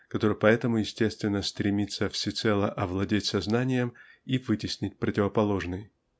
который поэтому естественно стремится всецело овладеть сознанием и вытеснить противоположный.